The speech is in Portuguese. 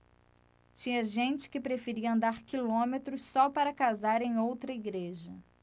tinha gente que preferia andar quilômetros só para casar em outra igreja